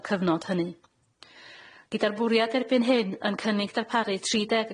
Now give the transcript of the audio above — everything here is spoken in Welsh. y cyfnod hynny. Gyda'r bwriad erbyn hyn yn cynnig darparu tri deg